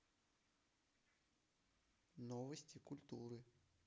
новости культуры